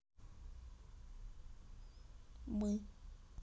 мы